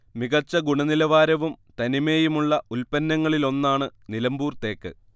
മികച്ച ഗുണനിലവാരവും തനിമയുമുള്ള ഉൽപ്പന്നങ്ങളിലൊന്നാണ് നിലമ്പൂർ തേക്ക്